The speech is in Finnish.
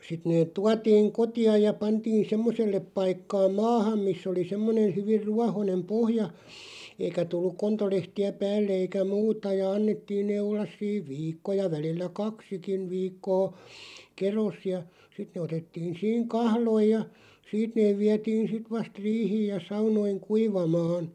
sitten ne tuotiin kotiin ja pantiin semmoiselle paikkaa maahan missä oli semmoinen hyvin ruohoinen pohja eikä tullut kontolehtiä päälle eikä muuta ja annettiin ne olla siinä viikko ja välillä kaksikin viikkoa kedossa ja sitten ne otettiin siinä kahloihin ja siitä ne vietiin sitten vasta riihiin ja saunoihin kuivamaan